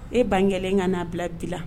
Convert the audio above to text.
E ban gɛlɛn ka'a bila bila la